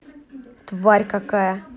тварь какая